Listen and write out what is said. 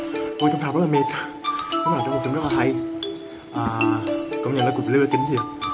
ngồi trong rạp rất là mệt một bộ phim rất là hay công nhận là cú lừa kinh thiệt